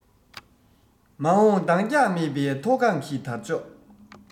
མ འོངས འདང རྒྱག མེད པའི མཐོ སྒང གི དར ལྕོག